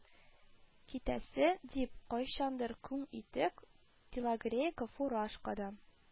Китәсе, дип, кайчандыр күн итек, телогрейка, фуражкадан